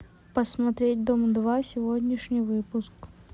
посмотреть дом два сегодняшний выпуск